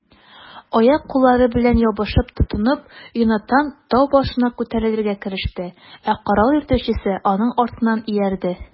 Аяк-куллары белән ябышып-тотынып, Йонатан тау башына күтәрелергә кереште, ә корал йөртүчесе аның артыннан иярде.